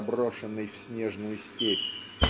заброшенной в снежную степь.